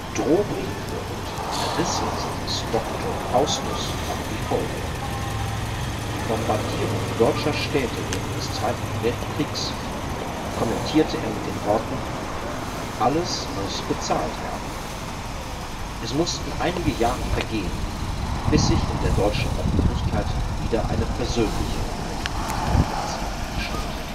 Drohbriefe und Verrisse seines Doktor Faustus waren die Folge. Die Bombardierung deutscher Städte während des Zweiten Weltkrieges kommentierte er mit den Worten: „ Alles muß bezahlt werden. “Es mussten einige Jahre vergehen, bis sich in der deutschen Öffentlichkeit wieder eine versöhnlichere Haltung gegenüber Thomas Mann einstellte